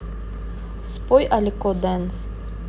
спой алеко dance